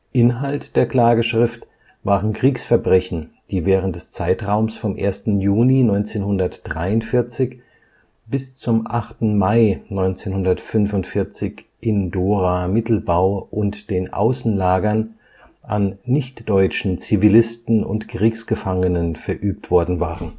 Inhalt der Klageschrift waren Kriegsverbrechen, die während des Zeitraums vom 1. Juni 1943 bis zum 8. Mai 1945 in Dora-Mittelbau und den Außenlagern an nicht-deutschen Zivilisten und Kriegsgefangenen verübt worden waren